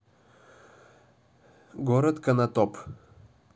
город канатоп